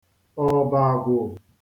ọ̀bàgwụ̀